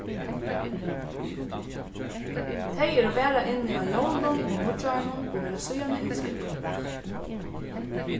tey eru bara inni á jólum og nýggjárinum og verða síðani útskrivað